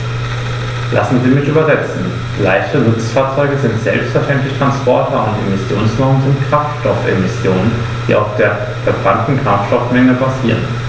Lassen Sie mich übersetzen: Leichte Nutzfahrzeuge sind selbstverständlich Transporter, und Emissionsnormen sind Kraftstoffemissionen, die auf der verbrannten Kraftstoffmenge basieren.